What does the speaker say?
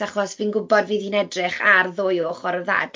Achos fi'n gwybod fydd hi'n edrych ar ddwy ochr y ddadl.